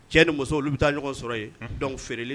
Cɛ ni muso olu bɛ taa ɲɔgɔn sɔrɔ yen dɔn feere